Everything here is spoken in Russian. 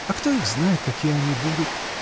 А кто их знает, какие они будут?